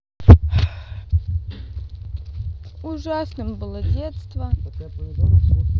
ужасным было детство